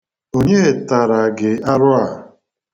Onye tara gị arụ a?